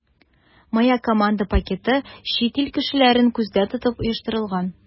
“моя команда” пакеты чит ил кешеләрен күздә тотып оештырылган.